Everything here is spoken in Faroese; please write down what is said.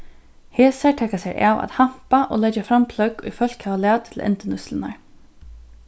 hesar taka sær av at hampa og leggja fram pløgg ið fólk hava latið til endurnýtslurnar